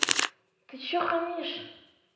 ты че хамишь